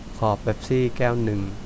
ขอเป็ปซี่แก้วหนึ่ง